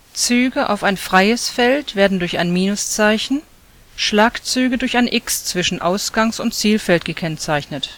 Züge auf ein freies Feld werden durch ein „−“, Schlagzüge durch ein „ x “zwischen Ausgangs - und Zielfeld gekennzeichnet